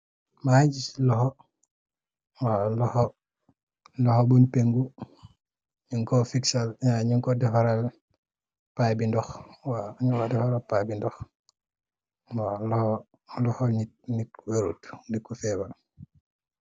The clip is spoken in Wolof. Mangi giss loxo nit kor febarr nyew kor defara pipe ndox